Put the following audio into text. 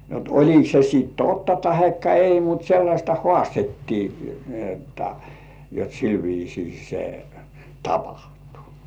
jotta oliko se sitten totta tai ei mutta sellaista haastettiin niin jotta jotta sillä viisiin se tapahtui